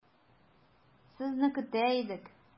Сезне көтә идек.